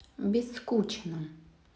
без скучно